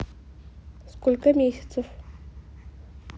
сколько месяцев